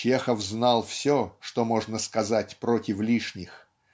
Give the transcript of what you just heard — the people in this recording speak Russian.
Чехов знал все, что можно сказать против лишних,